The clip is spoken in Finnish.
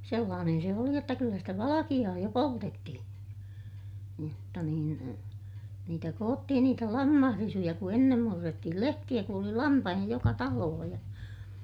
sellainen se oli jotta kyllä sitä valkeaa jo poltettiin jotta niin niitä koottiin niitä lammasrisuja kun ennen murrettiin lehtiä kun oli lampaita joka talossa ja